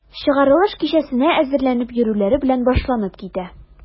Чыгарылыш кичәсенә әзерләнеп йөрүләре белән башланып китә.